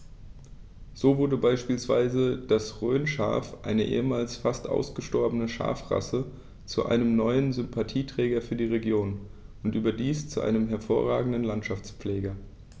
So wurde beispielsweise das Rhönschaf, eine ehemals fast ausgestorbene Schafrasse, zu einem neuen Sympathieträger für die Region – und überdies zu einem hervorragenden Landschaftspfleger.